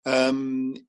yym